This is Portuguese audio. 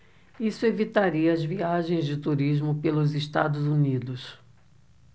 isso evitaria as viagens de turismo pelos estados unidos